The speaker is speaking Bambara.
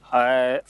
Haaaeey